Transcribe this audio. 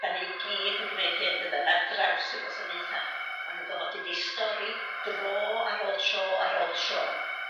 'dan ni i gyd yn gneud hyn dydan ar draws y gwasanaetha ma' nw'n go'fod deud 'u stori dro ar ôl tro ar ôl tro.